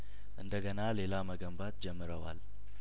እንደገና ሌላ መገንባት ጀምረዋል